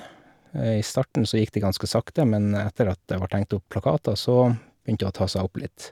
I starten så gikk det ganske sakte, men etter at det vart hengt opp plakater så begynte det å ta seg opp litt.